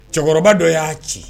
Cɛkɔrɔba dɔ y'a ci